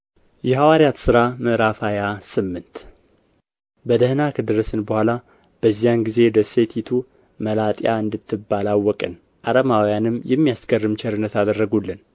የሐዋርያት ሥራ ምዕራፍ ሃያ ስምንት በደኅና ከደረስን በኋላ በዚያን ጊዜ ደሴቲቱ መላጥያ እንድትባል አወቅን አረማውያንም የሚያስገርም ቸርነት አደረጉልን